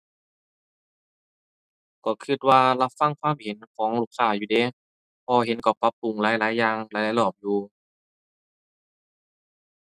ก็คิดว่ารับฟังความเห็นของลูกค้าอยู่เดะ เพราะว่าเห็นเขาปรับปรุงหลายหลายอย่าง หลายหลายรอบอยู่